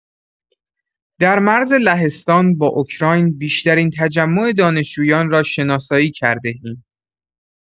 در مرز لهستان با اوکراین بیشترین تجمع دانشجویان را شناسایی کرده‌ایم.